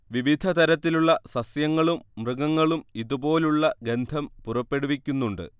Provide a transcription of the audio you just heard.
വിവിധതരത്തിലുള്ള സസ്യങ്ങളും മൃഗങ്ങളും ഇതു പോലുള്ള ഗന്ധം പുറപ്പെടുവിക്കുന്നുണ്ട്